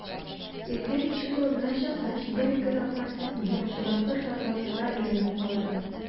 Иртән ишегалдына чыккач, бер-ике тапкыр селтәнеп, чыбыркы шартлатырга өйрәнеп карадым.